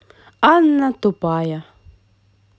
анна тупая